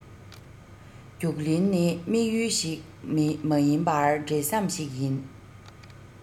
རྒྱུགས ལེན ནི དམིགས ཡུལ ཞིག མ ཡིན པར འབྲེལ ཟམ ཞིག ཡིན